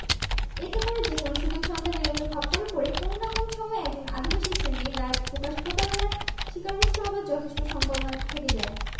এতে করে যেকোন সুযোগ সন্ধানী লোকের খপ্পরে পড়ে কোন না কোন সময়ে একজন আদিবাসী শ্রেণীর রায়ত প্রায়শ প্রতারণার শিকরগ্রস্ত হবার যথেষ্ট সম্ভাবনা থেকে যায়